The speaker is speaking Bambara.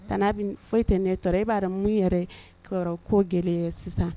Tanti Abi foyi tɛ ne tɔɔrɔ e b'a dɔn mun yɛrɛ ye ko gɛlɛya sisan